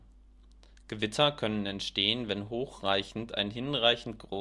Gewitter können entstehen, wenn hochreichend ein hinreichend